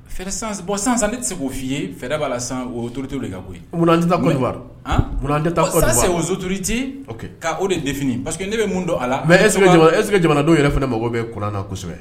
Bon sisan sisan ne tɛ se k'o f'i ye fɛɛrɛ b'a la sisan o ye autorités de ka ko ye, munna an tɛ taa Kondowari, ça c'est auw autorités ka o de défini, parce que ne bɛ min dɔn a la mais est ce que jamanadenw yɛrɛ fana mago bɛ kuran na kosɛbɛ